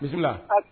Jigi